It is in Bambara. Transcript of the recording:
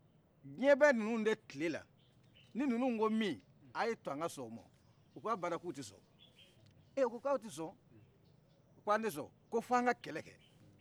jiɲɛ bɛ nunun de tilela ni nunun ko min a ye tɔ an ka sɔn o ma u k'a bana k'u tɛ sɔn ɛ u ko kaw tɛ sɔn kan tɛ sɔn ko f'an ka kɛlɛkɛ